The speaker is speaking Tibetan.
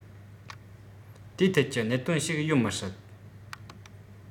དེའི ཐད ཀྱི གནད དོན ཞིག ཡོད མི སྲིད